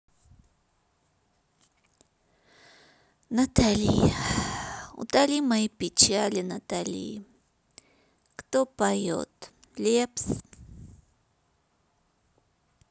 натали утоли мои печали натали кто поет лепс